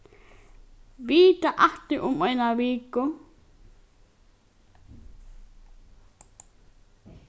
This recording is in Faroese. vita aftur um eina viku